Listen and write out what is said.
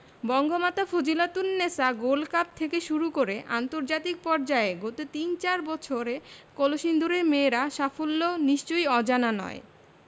Bangamata Fazilatunnesa gold cup থেকে শুরু করে আন্তর্জাতিক পর্যায়ে গত তিন চার বছরে কলসিন্দুরের মেয়েরা সাফল্য নিশ্চয়ই অজানা নয়